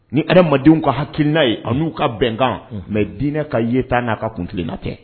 Ni yɛrɛdamadenw ka hakilina ye ani n'u ka bɛnkan mɛ bininɛ ka ye tan n'a ka kuntina kɛ